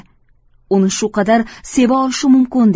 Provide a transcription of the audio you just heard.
uni shu qadar seva olishi mumkin